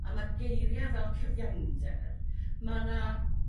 a ma' geiria' fel cyfiawnder ma' 'na